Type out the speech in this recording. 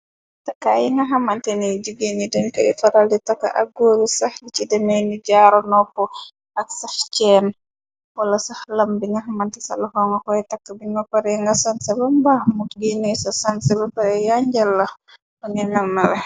Takaay yi nga xamante niy jigée ni deñ koy faral di taka ak góoru sax ni ci deme ni jaaro nopp ak sax ceen wala sax lam bi nga xamante sa laxonga koy takk bi nga paree nga sanse ba mbaax mut ginay sa sanse ba pare yaanjalla lu nga nalnale.